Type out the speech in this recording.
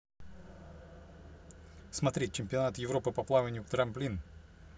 смотреть чемпионат европы по плаванию трамплин